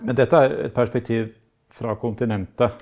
men dette er et perspektiv fra kontinentet.